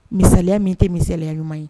Misaliya min tɛ misaliya ɲuman ye